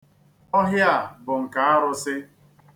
Ọhịa a bụ nke arụsị.